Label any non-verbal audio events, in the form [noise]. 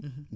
[hesitation] [hesitation]